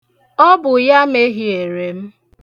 Ọ bụ ya mehiere m.